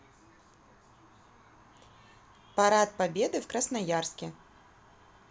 парад победы в красноярске